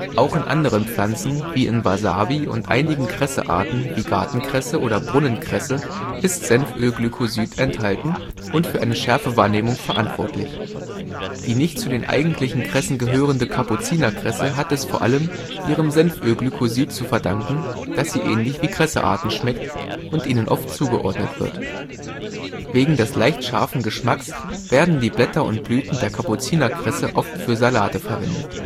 Auch in anderen Pflanzen, wie in Wasabi und einigen Kressearten wie Gartenkresse oder Brunnenkresse, ist Senfölglykosid enthalten und für eine Schärfewahrnehmung verantwortlich. Die nicht zu den eigentlichen Kressen gehörende Kapuzinerkresse hat es vor allem ihrem Senfölglykosid zu verdanken, dass sie ähnlich wie Kressearten schmeckt und ihnen oft zugeordnet wird. Wegen des leicht scharfen Geschmacks werden die Blätter und Blüten der Kapuzinerkresse oft für Salate verwendet